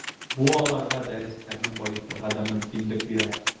Бу аларга дәресләрне баетырга да мөмкинлек бирә.